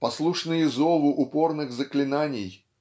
Послушные зову упорных заклинаний